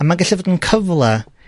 a ma' gallu fod yn cyfla